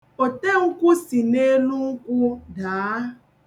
Otenkwụ si n'elu nkwụ daa.